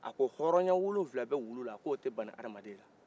a ko hɔrɔnya wulowula bɛ wulu la ko tɛ bani hadamaden la